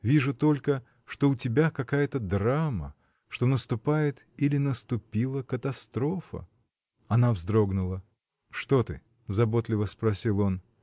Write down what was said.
Вижу только, что у тебя какая-то драма, что наступает или наступила катастрофа. Она вздрогнула. — Что ты? — заботливо спросил он.